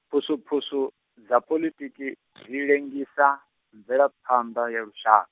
phusuphusu, dza poḽitiki, dzi lengisa, mvelaphanḓa ya lusha-.